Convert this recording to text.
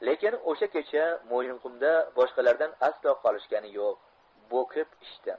lekin o'sha kecha mo'yinqumda boshqalardan aslo qolishgani yo'q bo'kib ichdi